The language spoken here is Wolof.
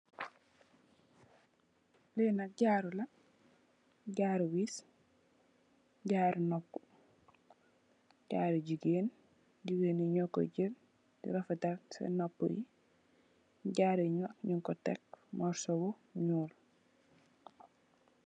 Linak jaru wees, jaru nop, jaru jigeen jigeen yi nokoy jall di rafetal sin nopyi jaru nuko teh ci morrso bu nuul.